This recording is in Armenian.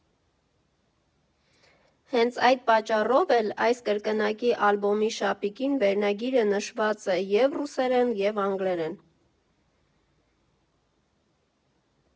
Հենց այդ պատճառով էլ այս կրկնակի ալբոմի շապիկին վերնագիրը նշված է և՛ ռուսերեն, և՛ անգլերեն։